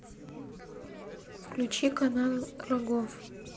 включи канал рогов